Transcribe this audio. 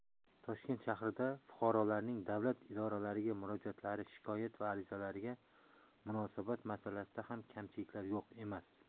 toshkent shahrida fuqarolarning davlat idoralariga murojaatlari shikoyat va arizalariga munosabat masalasida ham kamchiliklar yo'q emas